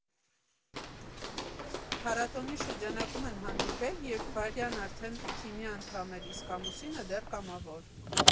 Փառատոնի շրջանակում են հանդիպել, երբ Վարյան արդեն թիմի անդամ էր, իսկ ամուսինը՝ դեռ կամավոր։